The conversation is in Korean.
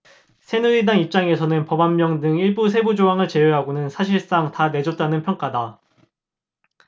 새누리당 입장에서는 법안명 등 일부 세부조항을 제외하고는 사실상 다 내줬다는 평가다